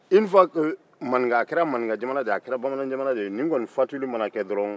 inefuwake maninka a kɛra maninkajamana ye o a kɛra bamananjamana ye o